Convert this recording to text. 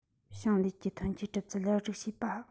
ཞིང ལས ཀྱི ཐོན སྐྱེད གྲུབ ཚུལ ལེགས སྒྲིག བྱེད པ